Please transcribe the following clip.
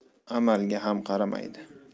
amalga ham qaramaydi